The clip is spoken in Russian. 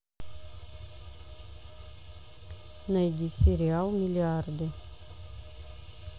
найди сериал миллиарды